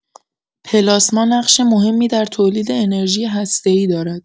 پلاسما نقش مهمی در تولید انرژی هسته‌ای دارد.